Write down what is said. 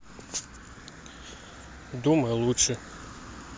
думай лучше